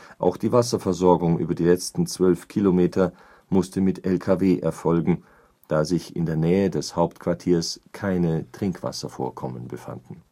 Auch die Wasserversorgung über die letzten zwölf Kilometer musste mit LKW erfolgen, da sich in der Nähe des Hauptquartiers keine Trinkwasservorkommen befanden